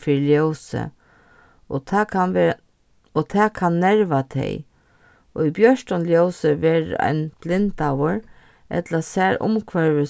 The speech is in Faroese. fyri ljósi og tað kann og tað kann nerva tey og í bjørtum ljósi verður ein blindaður ella sær umhvørvið